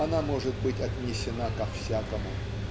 она может быть отнесена ко всякому.